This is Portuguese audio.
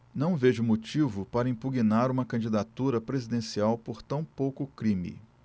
não vejo motivo para impugnar uma candidatura presidencial por tão pouco crime